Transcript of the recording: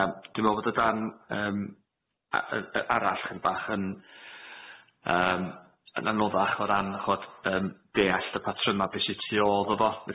Yym dwi'n me'wl fod y darn yym a- yy yy arall chydig bach yn yym yn anoddach o ran ch'od yym deallt y patryma be' sy tu ôl iddo fo.